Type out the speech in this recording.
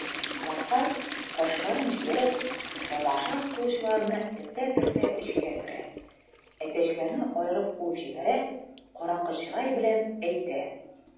Макар, кашларын җыерып, тамаша кылучыларны этә-төртә эчкә керә, әтәчләрне аерып куып җибәрә, караңгы чырай белән әйтә: